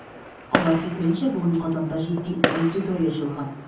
Алар фикеренчә, бүген Казанда җитди аудитория җыелган.